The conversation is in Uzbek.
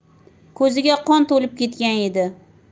ko'ziga qon to'lib ketgan edi